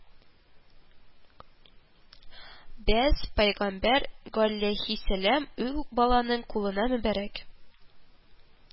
Бәс, пәйгамбәр галәйһиссәлам ул баланың кулына мөбарәк